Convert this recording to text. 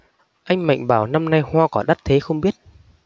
anh mạnh bảo năm nay hoa quả đắt thế không biết